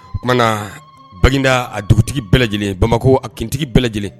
O bada a dugutigi bɛɛ lajɛlen bamakɔ a kintigi bɛ bɛɛ lajɛlen